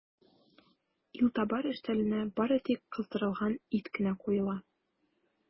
Илтабар өстәленә бары тик кыздырылган ит кенә куела.